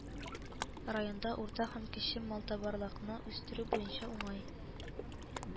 Районда урта һәм кече малтабарлыкны үстерү буенча уңай